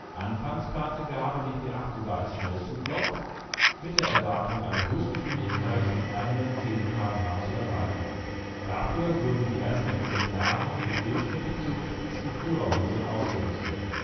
Anfangs plante Garbe die P 8 sogar als Schnellzuglok, mit der Erwartung, eine Höchstgeschwindigkeit von 110 km/h zu erreichen. Dafür wurden die ersten Exemplare mit windschnittig zugespitzten Führerhäusern ausgerüstet